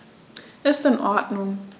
Ist in Ordnung.